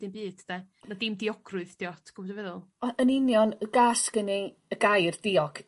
dim byd 'de ma' dim diogrwydd 'di o ti gwbod be' dwi feddwl. O yn union yy gas gen i y gair diog...